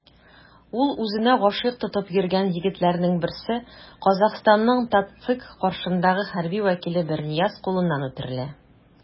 Ул үзенә гашыйк тотып йөргән егетләрнең берсе - Казахстанның ТатЦИК каршындагы хәрби вәкиле Бернияз кулыннан үтерелә.